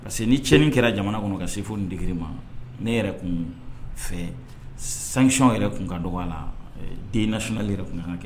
Parce que ni tiɲɛni kɛra jamana kɔnɔ ka se fo nin dégré ma ne yɛrɛ tun fɛ sanction yɛrɛ tun ka dɔgɔ a la deuil national yɛrɛ tun ka kɛ